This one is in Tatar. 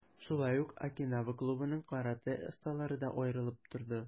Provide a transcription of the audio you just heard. Шулай ук, "Окинава" клубының каратэ осталары да аерылып торды.